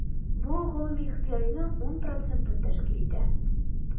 Бу гомуми ихтыяҗның 10 процентын тәшкил итә.